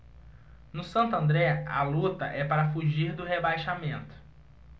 no santo andré a luta é para fugir do rebaixamento